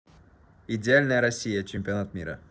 идеальная россия чемпионат мира